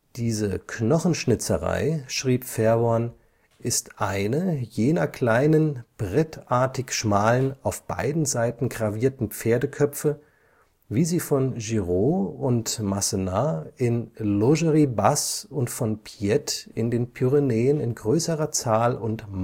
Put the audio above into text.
Diese ‚ Knochenschnitzerei ‘“, schrieb Verworn, „ ist eine jener kleinen brettartig schmalen, auf beiden Seiten gravierten Pferdeköpfe, wie sie von Girod und Massenad in Laugerie Basse und von Piette in den Pyrenäen in größerer Zahl und mannigfachen